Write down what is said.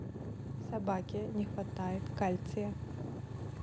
собаке не хватает кальция